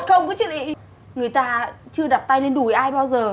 không cơ chứ lị người ta chưa đặt tay lên đùi ai bao giờ